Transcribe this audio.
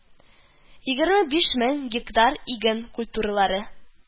Егерме биш мең гектар иген культуралары